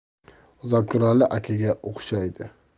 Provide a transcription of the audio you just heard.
zokirali akaga o'xshaydi